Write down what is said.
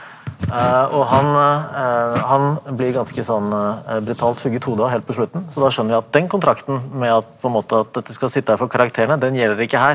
og han han blir ganske sånn brutalt hugget hodet av helt på slutten så da skjønner vi at den kontrakten med at på en måte at dette skal sitte her for karakterene den gjelder ikke her.